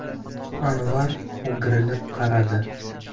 anvar o'girilib qaradi